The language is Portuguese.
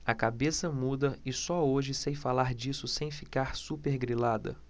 a cabeça muda e só hoje sei falar disso sem ficar supergrilada